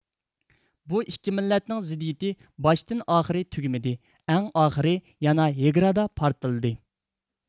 بۇ ئىككى مىللەتنىڭ زىددىيىتى باشتىن ئاخىر تۈگىمىدى ئەڭ ئاخىرى يەنە ھېگرادا پارتلىدى